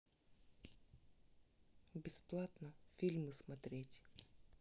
бесплатно фильмы смотреть